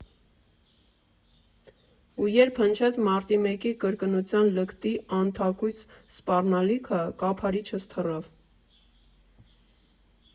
Ու երբ հնչեց մարտի մեկի կրկնության լկտի, անթաքույց սպառնալիքը, կափարիչս թռավ։